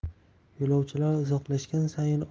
yo'lovchilar uzoqlashgan sayin